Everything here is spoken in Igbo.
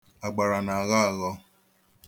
Agbara na-aghọ aghọ.